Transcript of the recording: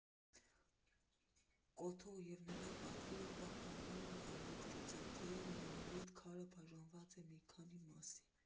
Կոթողը և նրա պատկերը պահպանվել են ամբողջությամբ, թեև մոնոլիթ քարը բաժանված է մի քանի մասի։